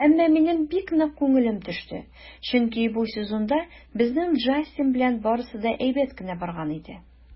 Әмма минем бик нык күңелем төште, чөнки бу сезонда безнең Джастин белән барысы да әйбәт кенә барган иде.